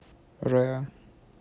rare